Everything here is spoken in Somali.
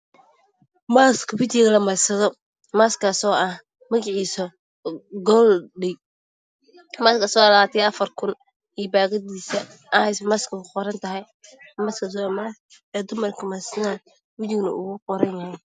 Mass masca dumarka isticmaalaan weji waxa uu qoran labaatane afarkiisuna waa guduud